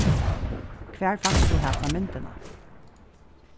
hvar fanst tú hasa myndina